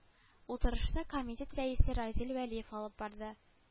Утырышны комитет рәисе разил вәлиев алып барды